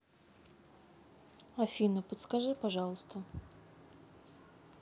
афина подскажи пожалуйста